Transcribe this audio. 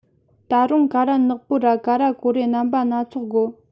ད རུང ཀ ར ནག པོ ར ཀ ར གོ རེ རྣམ པ སྣ ཚོགས དགོ